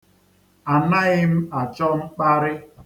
Anaghị m achọ mkparị.